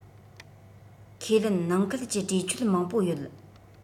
ཁས ལེན ནང ཁུལ གྱི གྲོས ཆོད མང པོ ཡོད